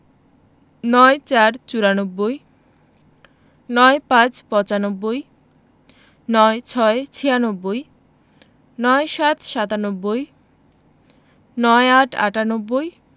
৯৪ চুরানব্বই ৯৫ পচানব্বই ৯৬ ছিয়ানব্বই ৯৭ সাতানব্বই ৯৮ আটানব্বই